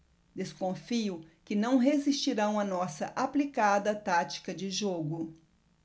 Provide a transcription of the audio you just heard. desconfio que não resistirão à nossa aplicada tática de jogo